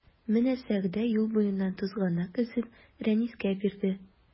Менә Сәгъдә юл буеннан тузганак өзеп Рәнискә бирде.